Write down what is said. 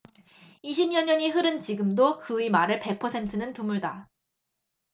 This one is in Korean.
이십 여년이 흐른 지금도 그의 말을 백 퍼센트 는 드물다